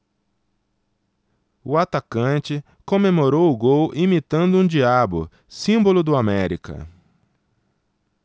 o atacante comemorou o gol imitando um diabo símbolo do américa